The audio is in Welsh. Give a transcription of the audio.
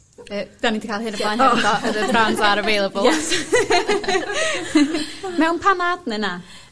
Yy 'dan ni 'di ca'l hyn o blaen other brands are available. Yes . Mewn panad ne' na?